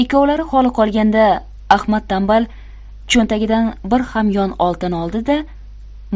ikkovlari xoli qolganda ahmad tanbal cho'ntagidan bir hamyon oltin oldi da